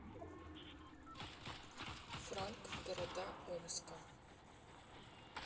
frank в города омска